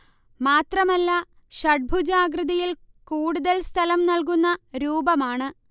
മാത്രമല്ല ഷഡ്ഭുജ ആകൃതി കൂടുതൽ സ്ഥലം നൽകുന്ന രൂപമാണ്